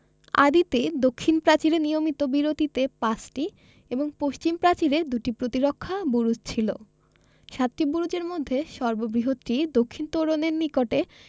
আদিতে দক্ষিণ প্রাচীরে নিয়মিত বিরতিতে পাঁচটি এবং পশ্চিম প্রাচীরে দুটি প্রতিরক্ষা বুরুজ ছিল সাতটি বুরুজের মধ্যে সর্ববৃহৎটি দক্ষিণ তোরণের নিকটে